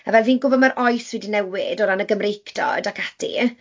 A fel fi'n gwybod, mae'r oes wedi newid o ran y Gymreigdod ac ati.